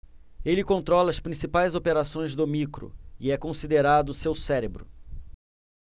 ele controla as principais operações do micro e é considerado seu cérebro